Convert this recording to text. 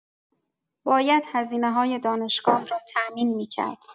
باید هزینه‌های دانشگاه را تامین می‌کرد.